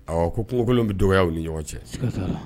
Ko kungokolon bɛ dɔgɔya u ni ɲɔgɔn cɛ